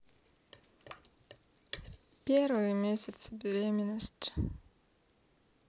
первые месяцы беременности